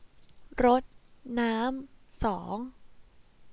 รดน้ำสอง